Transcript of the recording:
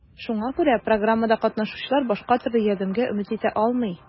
Шуңа күрә программада катнашучылар башка төрле ярдәмгә өмет итә алмый.